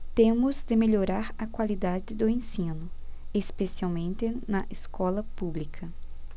temos de melhorar a qualidade do ensino especialmente na escola pública